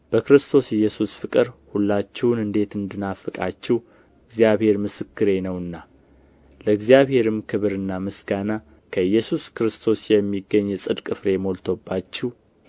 በክርስቶስ ኢየሱስ ፍቅር ሁላችሁን እንዴት እንድናፍቃችሁ እግዚአብሔር ምስክሬ ነውና ለእግዚአብሔርም ክብርና ምስጋና ከኢየሱስ ክርስቶስ የሚገኝ የጽድቅ ፍሬ ሞልቶባችሁ